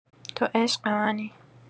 تو عشق منی